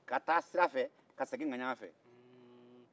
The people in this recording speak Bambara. ka taa sira fɛ ka segin ŋaɲan fɛ